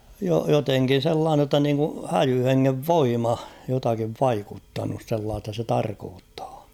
- jotenkin sellainen jotta niin kuin häijy hengen voima jotakin vaikuttanut sellaista se tarkoittaa